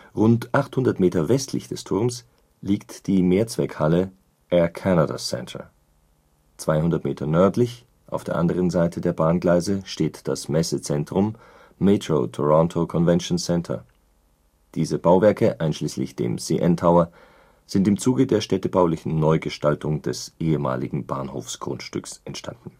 Rund 800 Meter westlich des Turms liegt die Mehrzweckhalle Air Canada Centre; 200 Meter nördlich, auf der anderen Seite der Bahngleise, steht das Messezentrum Metro Toronto Convention Centre. Diese Bauwerke, einschließlich dem CN Tower, sind im Zuge der städtebaulichen Neugestaltung des ehemaligen Bahnhofsgrundstücks entstanden